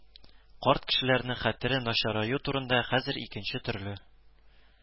Карт кешеләрнең хәтере начараю турында хәзер икенче төрле